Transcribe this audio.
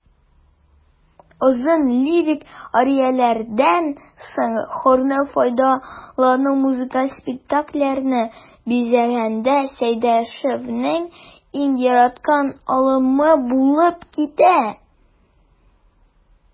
Озын лирик арияләрдән соң хорны файдалану музыкаль спектакльләрне бизәгәндә Сәйдәшевнең иң яраткан алымы булып китә.